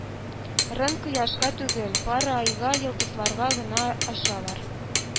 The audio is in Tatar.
Рын кояшка түгел, бары айга, йолдызларга гына ачалар